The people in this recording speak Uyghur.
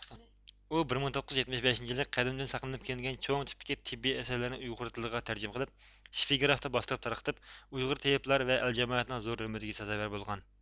ئۇ بىر مىڭ توققۇز يۈز يەتمىش بەشىنچى يىلى قەدىمدىن ساقلىنىپ كېلىنگەن چوڭ تىپتىكى تىببىي ئەسەرلەرنى ئۇيغۇر تىلىغا تەرجىمە قىلىپ شىفىگرافتا باستۇرۇپ تارقىتىپ ئۇيغۇر تېۋىپلار ۋە ئەل جامائەتنىڭ زور ھۆرمىتىگە سازاۋەر بولغان